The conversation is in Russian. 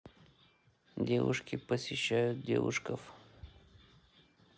девушке посещают девушкав